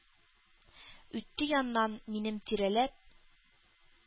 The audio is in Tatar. Үтте яннан, минем тирәләп.